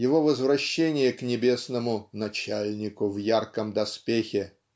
его возвращение к небесному "Начальнику в ярком доспехе".